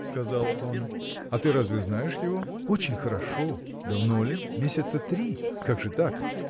– сказал он, – а ты разве знаешь его? – Очень хорошо. – Давно ли? – Месяца три. – Как же так?